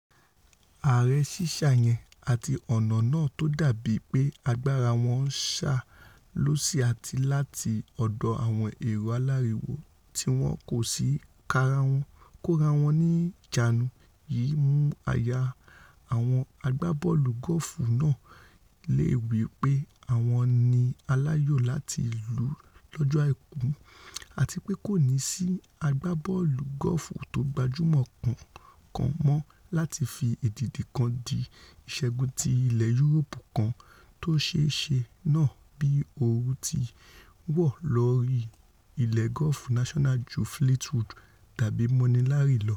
Aré sísá yẹn, àti ọ̀nà náà tódàbí pé agbára wọn ńsàn lọ́sì àti láti ọ̀dọ̀ àwọn èrò aláriwo tíwọn kòsì kórawọn níìjánu yìí ńmú àyà àwọn agbábọ́ọ̀lù gọ́ọ̀fù náà le wí pé àwọn ni aláyò láti lù lọ́jọ́ Àìkú, àtipé kòní sí agbábọ́ọ̀lù gọ́ọ̀fù tó gbajúmọ kankan mọ́ láti fi èdìdì kan di ìsẹ́gun ti ilẹ Yuroopu kan tóṣeé ṣe náà bí òòrùn ti ńwọ̀ lórí Le Golf National ju Fleetwood tàbí Molinari lọ.